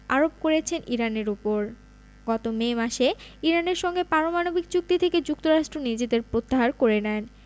আরোপ করেছেন ইরানের ওপর গত মে মাসে ইরানের সঙ্গে পারমাণবিক চুক্তি থেকে যুক্তরাষ্ট্র নিজেদের প্রত্যাহার করে নেন